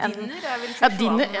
Dinner er vel .